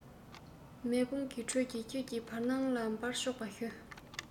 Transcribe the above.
མེ དཔུང གི དྲོད ཀྱིས ཁྱེད ཀྱི བར སྣང ལ སྦར ཆོག པར ཞུ